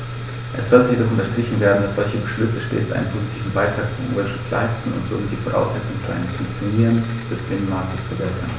Es sollte jedoch unterstrichen werden, dass solche Beschlüsse stets einen positiven Beitrag zum Umweltschutz leisten und somit die Voraussetzungen für ein Funktionieren des Binnenmarktes verbessern.